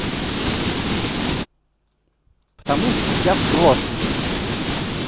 потому что я взрослый